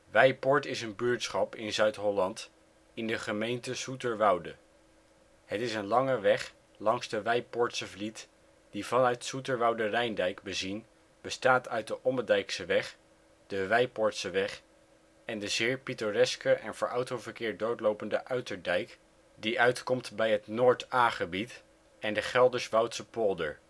Weipoort is een buurtschap in Zuid-Holland, in de gemeente Zoeterwoude. Het is een lange weg langs de Weipoortse Vliet die vanuit Zoeterwoude-Rijndijk bezien bestaat uit de Ommedijkseweg, de Weipoortseweg en de zeer pittoreske en voor autoverkeer doodlopende Uiterdijk die uitkomt bij het Noord Aa-gebied en de Gelderswoudse Polder